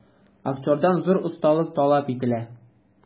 Актердан зур осталык таләп ителә.